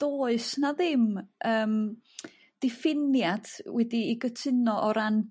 does na ddim yym diffiniad wedi'i gytuno o ran